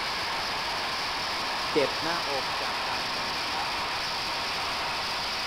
เจ็บหน้าอกจากการนอนทับ